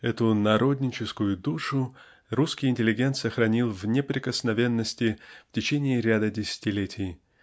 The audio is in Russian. Эту народническую душу русский интеллигент сохранил в неприкосновенности в течение ряда десятилетий